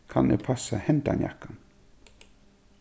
kann eg passa hendan jakkan